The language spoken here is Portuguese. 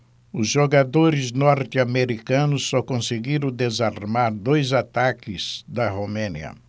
os jogadores norte-americanos só conseguiram desarmar dois ataques da romênia